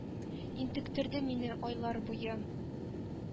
Интектерде мине айлар буе